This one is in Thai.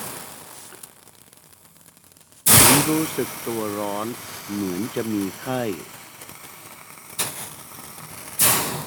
ฉันรู้สึกตัวร้อนเหมือนจะมีไข้